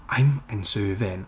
I'm... I'm serving.